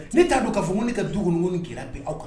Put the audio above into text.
Ne t'a don k'a fɔ n ne ka du kɔnɔunu ni k' bɛn aw kan